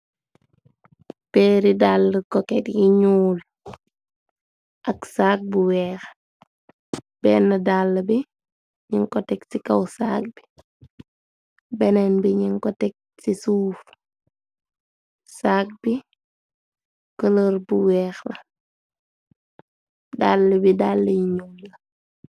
Peerii dààli koket yi ñuul, ak saag bu weex benn dààli bi ñin ko teg ci kaw saag bi, beneen bi ñin ko teg ci suuf. Saag bi kuloor bu weex la dààli bi dààli yu ñuul la.